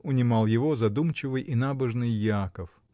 — унимал его задумчивый и набожный Яков.